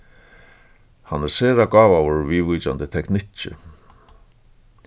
hann er sera gávaður viðvíkjandi teknikki